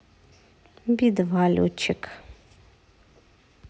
би два летчик